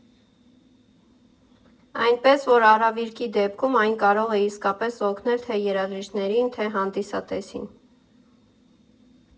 Այնպես որ արհավիրքի դեպքում այն կարող է իսկապես օգնել՝ թե՛ երաժիշտներին, թե՛ հանդիսատեսին։